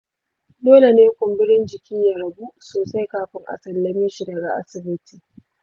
dole ne kumburin jiki ya ragu sosai kafin a sallame shi daga asibiti.